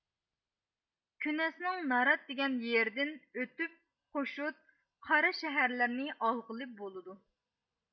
كۈنەسنىڭ نارات دېگەن يېرىدىن ئۆتۈپ خوشۇت قارا شەھەرلەرنى ئالغىلى بولىدۇ